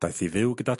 Daeth i fyw gyda...